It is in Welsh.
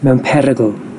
mewn perygl